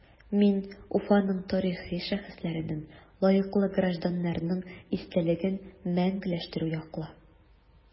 Мин Уфаның тарихи шәхесләренең, лаеклы гражданнарның истәлеген мәңгеләштерү яклы.